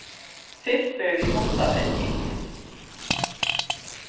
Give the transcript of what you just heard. fylgt verður við hundavenjing